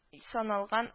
Саналган